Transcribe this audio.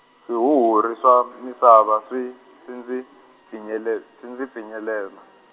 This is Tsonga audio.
swihuhuri swa misava swi , swi ndzi pfinyele-, swi ndzi pfinyetela.